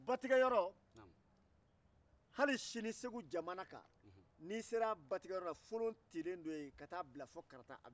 hali sinin ni sera a batigɛ yɔrɔ la folon cilen don yen ka taa karata